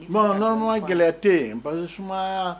Bɔn nana gɛlɛya kuyate basi suma